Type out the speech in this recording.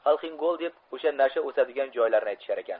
xalxingol deb o'sha nasha o'sadigan joylarni aytisharkan